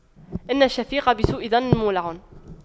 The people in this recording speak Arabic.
إن الشفيق بسوء ظن مولع